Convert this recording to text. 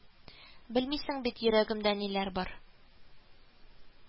Белмисең бит йөрәгемдә ниләр бар